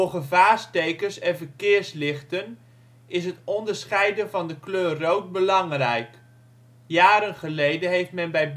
gevaarstekens en verkeerslichten is het onderscheiden van de kleur rood belangrijk. Jaren geleden heeft men bij